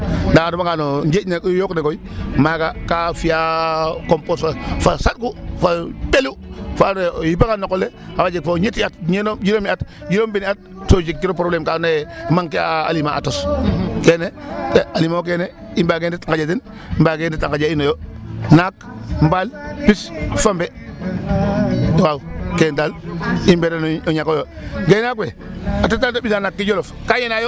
Ndaa a refanga no njeeñ ne no yook ne koy maaga kaam fi'aa compose fe fa saɗku, fa ɓelu fa andoona yee o yipangaan no qol le a wa jeg fo wo' ñeti at ñem juromi at juroom beeni at to jegkiro problème ka andoona yee manquer aliment a tos kene animaux kene i mbaage ndet nqaƴa den mbaqge ndet a nqaƴa ino yo naak mbaal, pis, fambe waaw kene daal i mbeeran o ñakooyo gaynaak we a teta da ɓisa naak ke Djolof ka yenaayo.